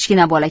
kichkina bola